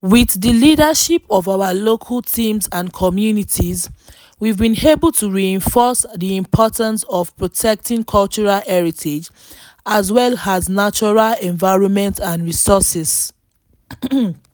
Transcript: With the leadership of our local teams and communities we’ve been able to reinforce the importance of protecting cultural heritage as well as the natural environment and resources.